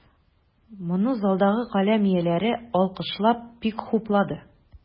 Моны залдагы каләм ияләре, алкышлап, бик хуплады.